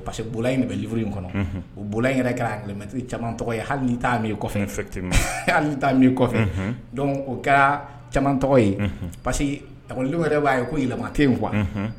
Parce que bolo in min bɛ uru in kɔnɔ o bolo yɛrɛ kɛramɛti caman tɔgɔ ye halil hali o kɛra caman tɔgɔ ye pa a ko yɛrɛ b'a ye ko yɛlɛma in kuwa